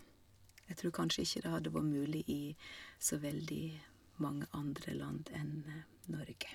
Jeg tror kanskje ikke det hadde vore mulig i så veldig mange andre land enn Norge.